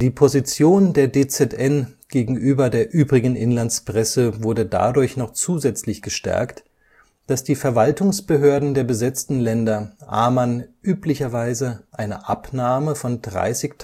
Position der DZN gegenüber der übrigen Inlandspresse wurde dadurch noch zusätzlich gestärkt, dass die Verwaltungsbehörden der besetzten Länder Amann üblicherweise eine Abnahme von 30.000